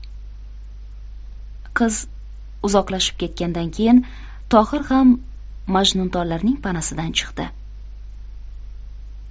qiz uzoqlashib ketgandan keyin tohir ham majnuntollarning panasidan chiqdi